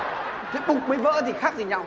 thế bục với vỡ thì khác gì nhau